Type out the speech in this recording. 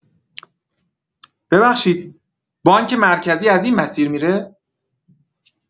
ببخشید، بانک مرکزی از این مسیر می‌ره؟